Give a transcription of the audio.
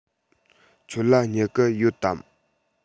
ཁྱོད ལ སྨྱུ གུ ཡོད དམ